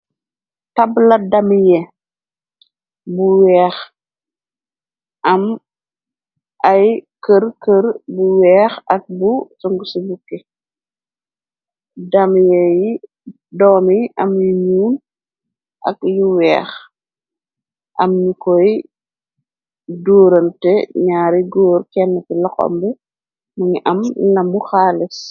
Tabla damiye bu weex, am ay kër kër bu weex, ak bu sung ci bukki, damye yi doom y am yu ñuun ak yu weex, am ni koy duurante ñaari góor, kenn ti loxombe mungi am lamu xaalis.